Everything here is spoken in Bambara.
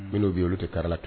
N'o bɛ' olu tɛ kari ten